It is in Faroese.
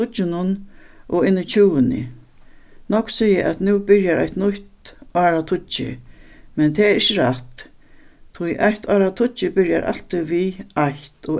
tíggjunum og inn í tjúguni nógv siga at nú byrjar eitt nýtt áratíggju men tað er ikki rætt tí eitt áratíggju byrjar altíð við eitt